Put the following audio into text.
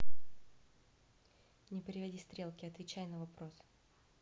не переводи стрелки отвечай на вопрос